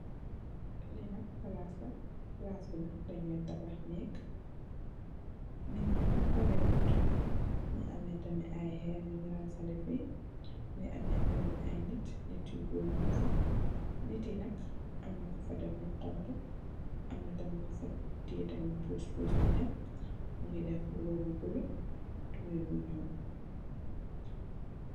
Lee nak plase la plase be nak danu tabahh neek neekbe nak pareh gut muge ameh tamin aye Herr yun ransele fee muge ameh tamin aye neete neet yu goor nugfa neet ye nak amna nufa def lu xonxo amna tamin kufa teye tamin pus pus de dem nuge def muba bu bula tubaye bu nuul.